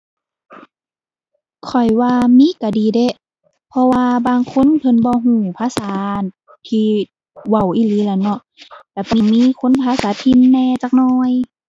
ข้อยว่ามีก็ดีเดะ เพราะว่าบางคนเพิ่นบ่ก็ภาษา อั่น ที่เว้าอีหลีล่ะเนาะ ก็สิมีคนภาษาถิ่นแหน่จักหน่อย